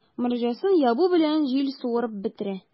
Морҗасын ябу белән, җил суырып бетерә.